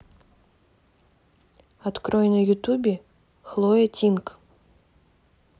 открой на ютубе хлоя тинг